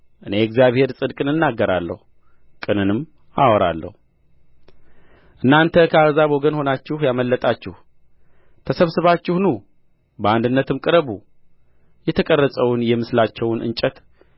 እኔ እግዚአብሔር ጽድቅን እናገራለሁ ቅንንም አወራለሁ እናንተ ከአሕዛብ ወገን ሆናችሁ ያመለጣችሁ ተሰብስባችሁ ኑ በአንድነትም ቅረቡ የተቀረጸውን የምስላቸውን እንጨት